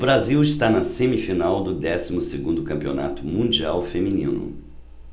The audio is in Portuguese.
o brasil está na semifinal do décimo segundo campeonato mundial feminino